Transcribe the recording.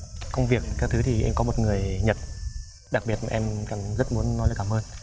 công việc cái thứ thì em có một người nhật đặc biệt em cảm rất muốn nói lời cảm ơn